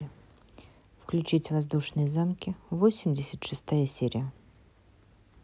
включить воздушные замки восемьдесят шестая серия